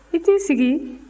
i t'i sigi